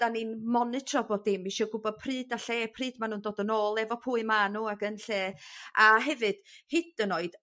'dan ni'n monitro bob dim isio gwbod pryd a lle pryd ma' nw'n dod yn ôl efo pwy ma'n nw ag yn lle a hefyd hyd yn oed